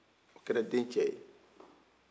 o kɛra den cɛ ye